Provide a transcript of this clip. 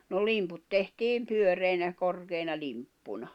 no limput tehtiin pyöreinä korkeina limppuina